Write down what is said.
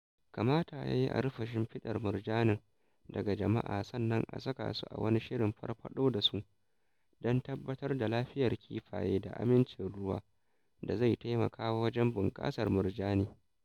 Kamata yayi a rufe shimfiɗar murjanin daga jama'a sannan a saka su a wani shirin farfaɗo da su don tabbatar da lafiyar kifaye da amincin ruwa da zai taimaka wajen bunƙasar murjani.